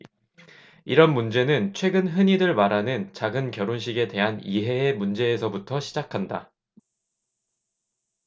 이런 문제는 최근 흔히들 말하는 작은 결혼식에 대한 이해의 문제에서부터 시작한다